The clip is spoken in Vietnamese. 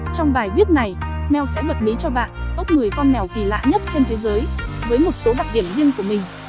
trong bài viết này meow sẽ bật mí cho bạn top con mèo kỳ lạ nhất trên thế giới với một số đặc điểm riêng của mình